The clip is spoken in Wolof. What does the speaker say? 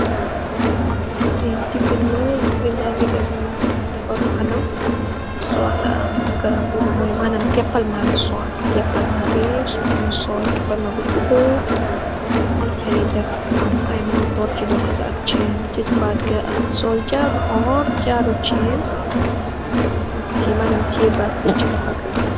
Lee jegain la jegain gage dem dafaru kanam sol garamuba moye manan kepalma la sol kepalma be mu sol kepalma bu goudu lohou yee def am aye monturr se lohou ga ak aye chin se batt ga ak sol jaaru orr jaaru chin kemanam teye bag se lohou ga.